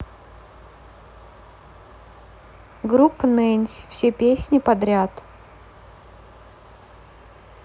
группа нэнси все песни подряд